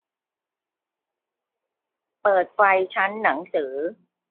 เปิดไฟชั้นหนังสือ